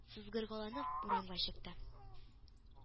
Сызгыргаланып урамга чыкты